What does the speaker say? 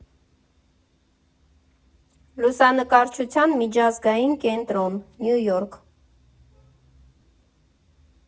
Լուսանկարչության միջազգային կենտրոն, Նյու Յորք։